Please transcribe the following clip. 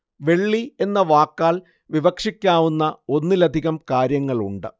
വെള്ളി എന്ന വാക്കാൽ വിവക്ഷിക്കാവുന്ന ഒന്നിലധികം കാര്യങ്ങളുണ്ട്